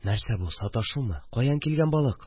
Нәрсә бу, саташумы? Каян килгән балык